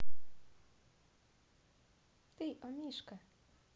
ты о мишка